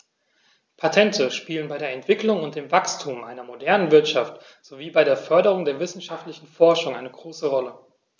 Patente spielen bei der Entwicklung und dem Wachstum einer modernen Wirtschaft sowie bei der Förderung der wissenschaftlichen Forschung eine große Rolle.